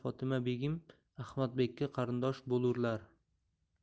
fotima begim ahmadbekka qarindosh bo'lurlar